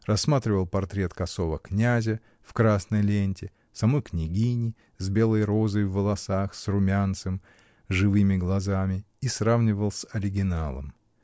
рассматривал портрет косого князя, в красной ленте, самой княгини, с белой розой в волосах, с румянцем, живыми глазами, и сравнивал с оригиналом.